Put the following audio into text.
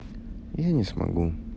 я не смогу